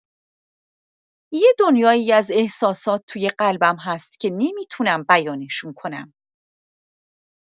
یه دنیایی از احساسات تو قلبم هست که نمی‌تونم بیانشون کنم.